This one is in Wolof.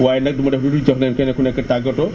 waaye nag du ma def lu dul jox leen kenn ku nekk tàggatoo